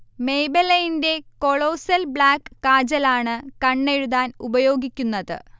മെയ്ബെലൈന്റെ colossal black kajal ആണ് കണ്ണെഴുതാൻ ഉപയോഗിക്കുന്നത്